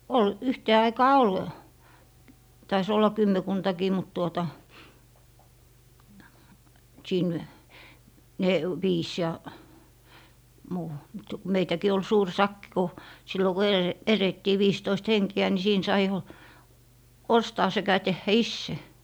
oli yhteen aikaan oli taisi olla kymmenkuntakin mutta tuota siinä - viisi ja muu mutta kun meitäkin oli suuri sakki kun silloin kun - elettiin viisitoista henkeä niin siinä sai jo ostaa sekä tehdä itse